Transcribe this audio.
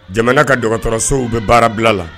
Jamana ka dɔgɔtɔrɔsow bɛ baara bila la